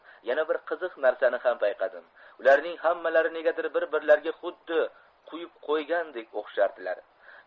yana bir qiziq narsani ham payqadim ularning hammalari negadir bir birlariga xuddi quyib qo'ygandek o'xshardilar